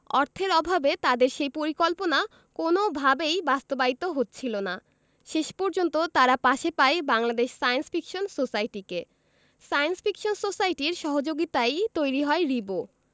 অর্থের অভাবে তাদের সেই পরিকল্পনা কোনওভাবেই বাস্তবায়িত হচ্ছিল না শেষ পর্যন্ত তারা পাশে পায় বাংলাদেশ সায়েন্স ফিকশন সোসাইটিকে সায়েন্স ফিকশন সোসাইটির সহযোগিতায়ই তৈরি হয় রিবো